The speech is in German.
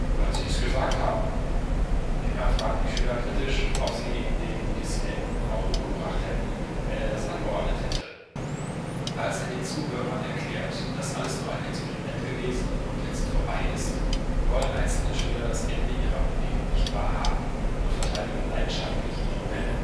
Weil Sie es gesagt haben. “Wenger fragt die Schüler kritisch, ob sie den Dissidenten auch umgebracht hätten, wenn er das angeordnet hätte. Als er den Zuhörern erklärt, dass alles nur ein Experiment gewesen und jetzt vorbei ist, wollen einzelne Schüler das Ende ihrer Bewegung nicht wahrhaben und verteidigen leidenschaftlich ihre „ Welle